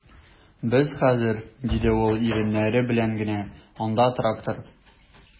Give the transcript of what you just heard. Без хәзер, - диде ул иреннәре белән генә, - анда трактор...